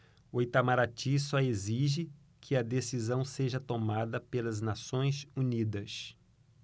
o itamaraty só exige que a decisão seja tomada pelas nações unidas